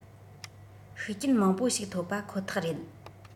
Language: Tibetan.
ཤུགས རྐྱེན མང པོ ཞིག ཐོབ པ ཁོ ཐག རེད